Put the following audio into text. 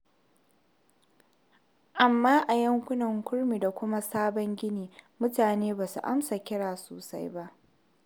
Amma a yankunan kurmi da kuma saman Gini, mutanen ba su amsa kiran sosai ba.